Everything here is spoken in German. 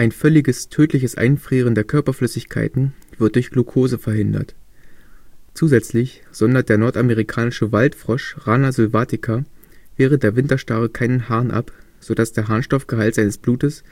völliges, tödliches Einfrieren der Körperflüssigkeiten wird durch Glukose verhindert. Zusätzlich sondert der nordamerikanische Waldfrosch Rana sylvatica während der Winterstarre keinen Harn ab, so dass der Harnstoffgehalt seines Blutes